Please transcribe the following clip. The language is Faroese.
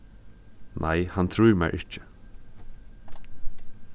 nei hann trýr mær ikki